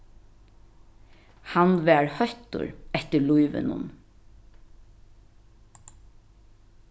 hann varð hóttur eftir lívinum